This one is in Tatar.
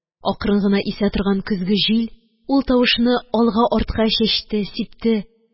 Акрын гына исә торган көзге җил ул тавышны алга-артка чәчте, сипте